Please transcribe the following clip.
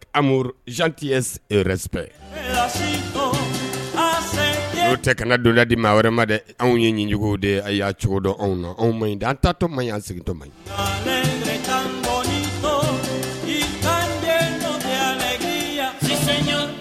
Amadu ztip o tɛ kana donda di ma wɛrɛ ma dɛ anw ye ɲinijugu de a'a cogo dɔn anw anw an ta tɔ man an sigitɔma ɲi